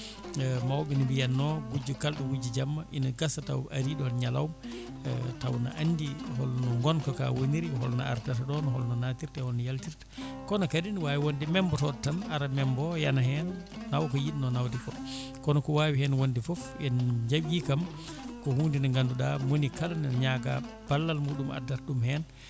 mawɓe ne mbiyanno gujjo kala ɗo wujji jamma ina gaasa taw ari ɗon ñalawma taw ne andi holno gonkaka woniri holno ardata ɗon holno naatirta holno yaltirta kono kadi ne wawi wonde membotoɗo tan ara membo yana hen nawa ko yinno nawde ko kono ko wawi hen wonde foof en jaggui kam ko hunde nde ganduɗa monikala ne ñaaga ballal muɗum addata ɗum hen